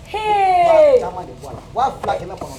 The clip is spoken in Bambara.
Ee fila kɔnɔ